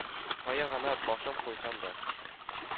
Кая гына башым куйсам да,